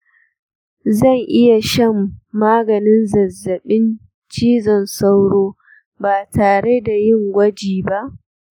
zan iya shan maganin zazzabin cizon sauro ba tare da yin gwaji ba